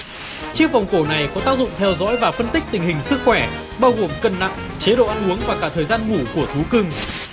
chiếc vòng cổ này có tác dụng theo dõi và phân tích tình hình sức khỏe bao gồm cân nặng chế độ ăn uống và cả thời gian ngủ của thú cưng